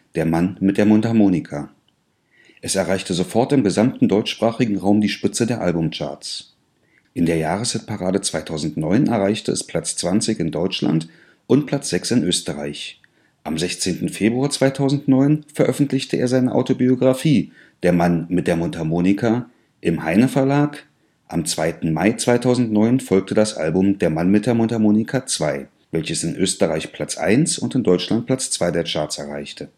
Der Mann mit der Mundharmonika. Es erreichte sofort im gesamten deutschsprachigen Raum die Spitze der Albencharts. In der Jahreshitparade 2009 erreichte es Platz zwanzig in Deutschland und Platz sechs in Österreich. Am 16. Februar 2009 veröffentlichte er seine Autobiographie Der Mann mit der Mundharmonika im Heyne-Verlag, am 2. Mai 2009 folgte das Album Der Mann mit der Mundharmonika 2, das in Österreich Platz eins und in Deutschland Platz zwei erreichte